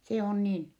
se on niin